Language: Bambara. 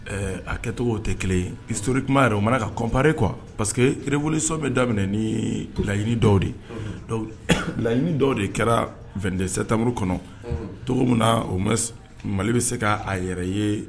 Ɛɛ a kɛtogow te 1 ye historiquement yɛrɛ o maan ka comparer quoi parce que révolution bɛ daminɛ nii laɲini dɔw de ye unhun donc laɲiniini dɔw de kɛra 22 septembre kɔnɔ unhun togo mun na au moins Mali bɛ se ka a yɛrɛ ye